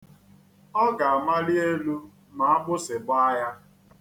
Ọ ga-amali elu ma agbụsị gbaa ya.